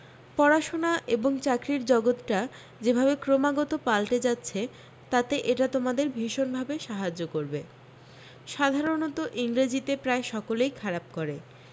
পড়াশোনা এবং চাকরীর জগতটা যে ভাবে ক্রমাগত পাল্টে যাচ্ছে তাতে এটা তোমাদের ভীষণ ভাবে সাহায্য করবে সাধারণত ইংরেজিতে প্রায় সকলেই খারাপ করে